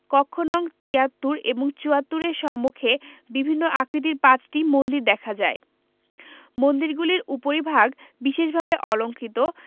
কক্ষ নং ৭৩ এবং ৭৪ এর সম্মুখে বিভিন্ন আকৃতির ৫টি মন্দির দেখা যায় মন্দিরগুলির উপরিভাগ বিশেষভাবে অলংকৃত